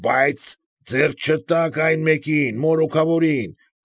Բայց ձեռք չտաք այն մեկին, մորուքավորին։